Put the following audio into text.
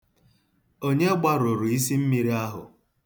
Onye gbarụrụ isimmiri ahụ?